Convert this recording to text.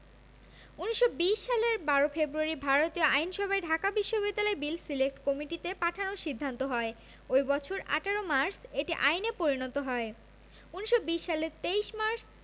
১৯২০ সালের ১২ ফেব্রুয়ারি ভারতীয় আইনসভায় ঢাকা বিশ্ববিদ্যালয় বিল সিলেক্ট কমিটিতে পাঠানোর সিদ্ধান্ত হয় ওই বছর ১৮ মার্চ এটি আইনে পরিণত হয় ১৯২০ সালের ২৩ মার্চ